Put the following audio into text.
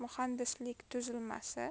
muhandislik tuzilmasi